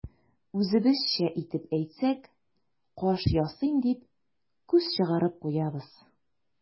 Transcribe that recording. Үзебезчә итеп әйтсәк, каш ясыйм дип, күз чыгарып куябыз.